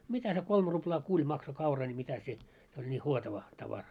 mitä se kolme ruplaa kun maksoi kaura niin mitä se se oli niin huotava tavara